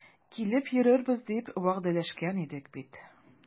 Килеп йөрербез дип вәгъдәләшкән идек бит.